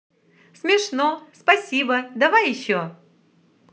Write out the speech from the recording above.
смешно спасибо давай еще